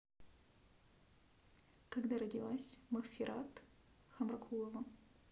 когда родилась махфират хамракулова